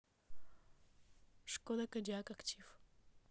шкода кодиак актив